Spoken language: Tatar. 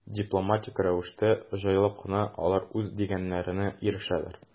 Дипломатик рәвештә, җайлап кына алар үз дигәннәренә ирешәләр.